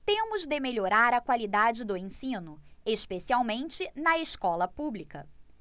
temos de melhorar a qualidade do ensino especialmente na escola pública